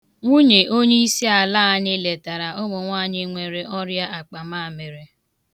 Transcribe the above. Nwunye onyeisi ala anyị letara ụmụnwaanyị nwere ọrịa akpamamịrị.